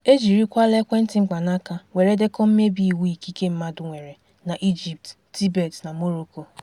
Ejirikwala ekwentị mkpanaaka were dekọ mmebi iwu ikike mmadụ nwere, na Egypt, Tibet na Morocco.